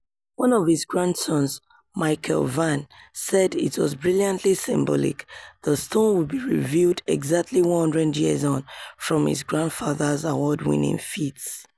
One of his grandsons, Michael Vann, said it was "brilliantly symbolic" the stone would be revealed exactly 100 years on from his grandfather's award-winning feat.